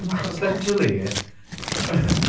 Achos, literally